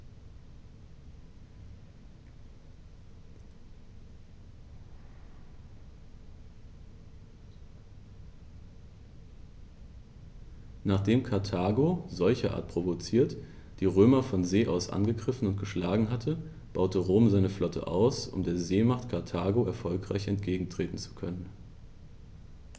Nachdem Karthago, solcherart provoziert, die Römer von See aus angegriffen und geschlagen hatte, baute Rom seine Flotte aus, um der Seemacht Karthago erfolgreich entgegentreten zu können.